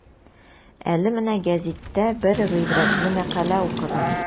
Әле менә гәзиттә бер гыйбрәтле мәкалә укыдым.